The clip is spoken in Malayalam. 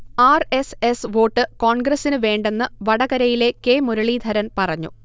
ആർ. എസ്. എസ്. വോട്ട് കോൺഗ്രസിന് വേണ്ടെന്ന് വടകരയിലെ കെ. മുരളീധരൻ പറഞ്ഞു